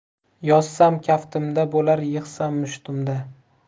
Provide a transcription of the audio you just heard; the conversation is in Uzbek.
yozsam kaftimda bo'lar yig'sam mushtumda